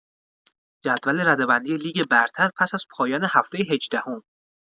جدول رده‌بندی لیگ برتر پس‌از پایان هفته هجدهم